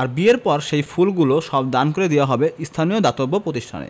আর বিয়ের পর সেই ফুলগুলো সব দান করে দেওয়া হবে স্থানীয় দাতব্য প্রতিষ্ঠানে